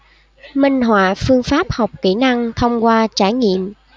minh họa phương pháp học kỹ năng thông qua trải nghiệm